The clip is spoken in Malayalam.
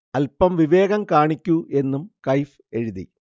'അൽപം വിവേകം കാണിക്കൂ' എന്നും കയ്ഫ് എഴുതി